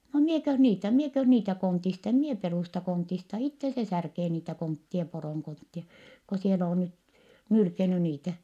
no minäkös niitä minäkös niitä konteista en minä perusta konteista itse se särkee niitä kontteja poron kontteja kun siellä on nyt nylkenyt niitä